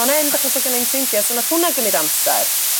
on end achos o'dd gennai'm ffrindia' so nath hwnna gymryd amsar